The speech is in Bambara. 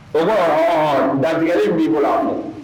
Ɔwɔ dantigɛgɛlen b'i bolo a don